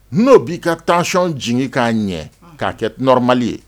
N'o b'i ka tension jigin k'a ɲɛ k'a kɛ normalr ye